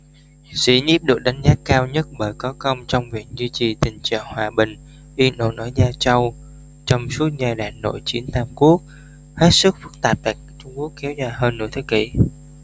sĩ nhiếp được đánh giá cao nhất bởi có công trong việc duy trì tình trạng hòa bình yên ổn ở giao châu trong suốt giai đoạn nội chiến tam quốc hết sức phức tạp tại trung quốc kéo dài hơn nửa thế kỷ